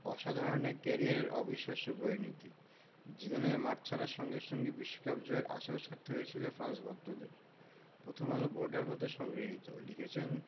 অসাধারণ এক ক্যারিয়ারের অবিশ্বাস্য পরিণতি জিদানের মাঠ ছাড়ার সঙ্গে সঙ্গে বিশ্বকাপ জয়ের আশাও ছাড়তে হয়েছিল ফ্রান্স ভক্তদের প্রথমআলো পোর্টাল হতে সংগৃহীত লিখেছেন